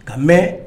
Ka mɛn